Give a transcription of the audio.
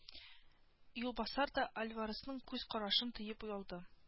Юлбасар да альваресның күз карашын тоеп оялды